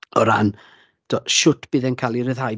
O ran tibod, shwt bydd e'n cael ei ryddhau.